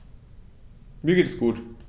Mir geht es gut.